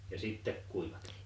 ja sitten kuivatettiin